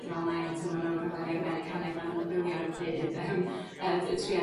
dwi me'wl nine oh two one oh rhaglenni Americanaidd 'na oddan nhw'n gwylio ar y pryd yym yy yy trio